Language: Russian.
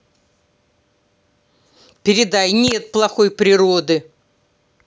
передай нет плохой природы